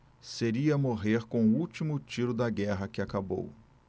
seria morrer com o último tiro da guerra que acabou